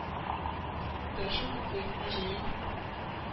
Тырышып укый. Ә җәен